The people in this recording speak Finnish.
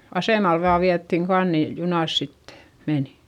asemalle vain vietiin kannu niin junassa sitten meni